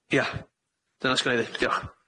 Ia, dyna sgenna i ddeud. Diolch.